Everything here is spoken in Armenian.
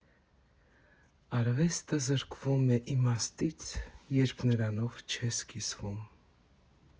Արվեստը զրկվում է իմաստից, երբ նրանով չես կիսվում։